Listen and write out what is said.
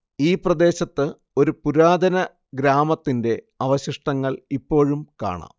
ഈ പ്രദേശത്ത് ഒരു പുരാതന ഗ്രാമത്തിന്റെ അവശിഷ്ടങ്ങൾ ഇപ്പോഴും കാണാം